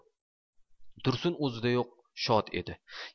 tursun o'zida yo'q shod edi